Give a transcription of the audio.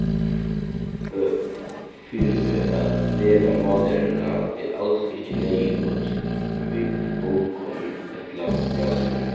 fyri at læra mállæruna er als ikki neyðugt við bókum ella frálæru